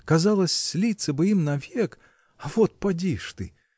казалось, слиться бы им навек, а вот поди ж ты!